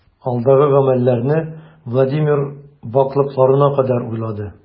Алдагы гамәлләрне Владимир ваклыкларына кадәр уйлады.